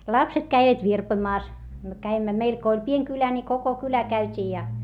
lapset kävivät virpomassa me kävimme meillä kun oli pieni kylä niin koko kylä käytiin ja